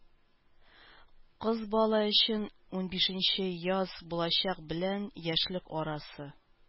Кыз бала өчен унбишенче яз балачак белән яшьлек арасы.